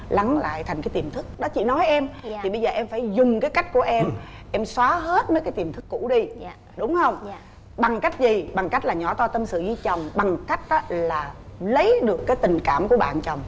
lắng lại thành cái tiềm thức đó chị nói em thì bây giờ em phải dùng cái cách của em em xóa hết mấy cái tiềm thức cũ đi đúng hông bằng cách gì bằng cách là nhỏ to tâm sự với chồng bằng cách là lấy được cái tình cảm của bạn chồng